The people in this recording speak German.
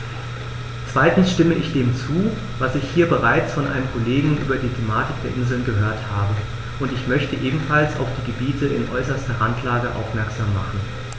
Zweitens stimme ich dem zu, was ich hier bereits von einem Kollegen über die Thematik der Inseln gehört habe, und ich möchte ebenfalls auf die Gebiete in äußerster Randlage aufmerksam machen.